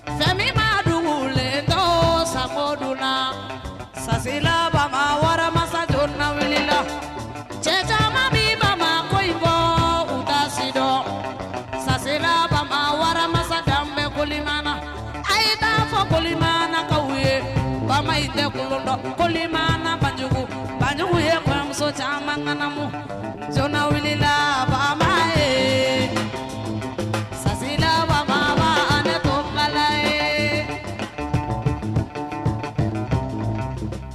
Samiba dugulentɔ sago dun la sala wamasa joona wilila cɛ caman min ma ma mɔ fɔ u ka sidɔn sariba bama wamasa bɛ ko mana na a ye nafa ko manakaw ye ba nekundɔn koli mana bajugu bajugu ye wamuso caman ŋmu j wilila faama ye sa laban ne ko fila ye